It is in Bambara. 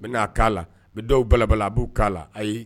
N bɛna a' la n bɛ dɔw bala balala a b'u' la ayi